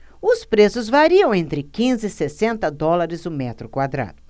os preços variam entre quinze e sessenta dólares o metro quadrado